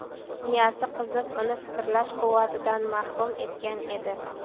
miyasi qizib uni fikrlash quvvatidan mahrum etgan edi